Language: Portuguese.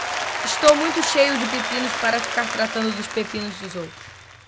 estou muito cheio de pepinos para ficar tratando dos pepinos dos outros